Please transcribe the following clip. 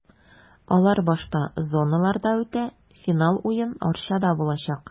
Алар башта зоналарда үтә, финал уен Арчада булачак.